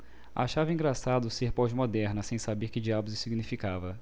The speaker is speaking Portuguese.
achava engraçado ser pós-moderna sem saber que diabos isso significava